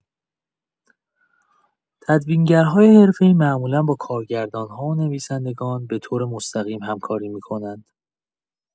تدوینگرهای حرفه‌ای معمولا با کارگردان‌ها و نویسندگان به‌طور مستقیم همکاری می‌کنند.